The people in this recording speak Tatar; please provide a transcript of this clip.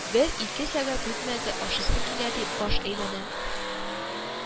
Бер-ике сәгать үтмәде, ашыйсы килә дип, баш әйләнә